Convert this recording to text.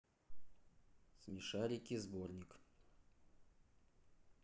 смешарики сборник